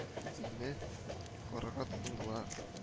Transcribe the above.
Өйне карарга тотындылар